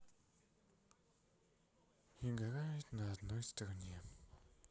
играет на одной струне